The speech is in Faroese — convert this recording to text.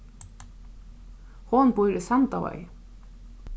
hon býr í sandavági